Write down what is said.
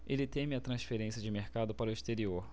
ele teme a transferência de mercado para o exterior